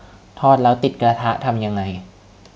ทอดแล้วติดกระทะทำยังไง